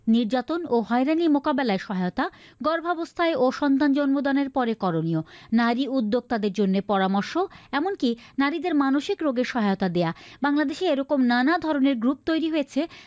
নির্যাতন ও হয়রানির মোকাবেলায় সহায়তা গর্ভাবস্থায় ও সন্তান জন্মদানের পরে করনীয় নারী উদ্যোক্তাদের জন্য পরামর্শ এমনকি নারীদের মানসিক রোগের সহায়তা দেয়া বাংলাদেশ এরকম নানা ধরনের গ্রুপ তৈরি হয়েছে